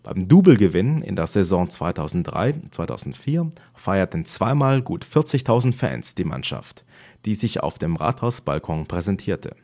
Doublegewinn in der Saison 2003/04 feierten zweimal gut 40.000 Fans die Mannschaft, die sich auf dem Rathausbalkon präsentierte